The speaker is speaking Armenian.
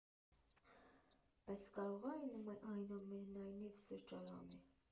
Բայց կարո՞ղ ա այնուամենայնիվ սրճարան է։